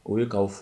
O ye k'aw